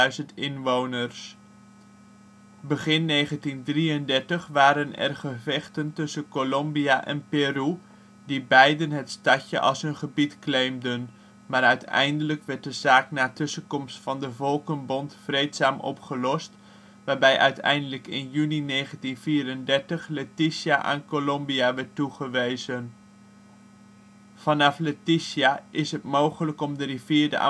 inwoners. Begin 1933 waren er gevechten tussen Colombia en Peru, die beiden het stadje als hun gebied claimden, maar uiteindelijk werd de zaak na tussenkomst van de Volkenbond vreedzaam opgelost, waarbij uiteindelijk in juni 1934 Leticia aan Colombia werd toegewezen. Vanaf Leticia is het mogelijk om de rivier de